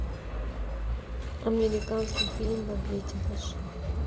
американский фильм в объятиях лжи